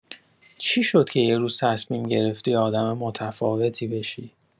چی شد که یه روز تصمیم گرفتی آدم متفاوتی بشی؟